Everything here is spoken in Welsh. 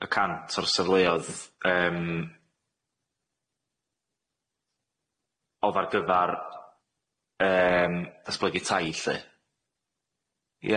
y cant o'r sefleodd yym o'dd ar gyfar yym datblygu tai lly.